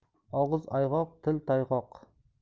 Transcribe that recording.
og'iz ayg'oq til toyg'oq